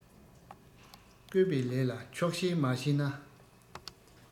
བཀོད པའི ལས ལ ཆོག ཤེས མ བྱས ན